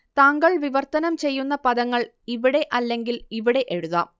താങ്കൾ വിവർത്തനം ചെയ്യുന്ന പദങ്ങൾ ഇവിടെ അല്ലെങ്കിൽ ഇവിടെ എഴുതാം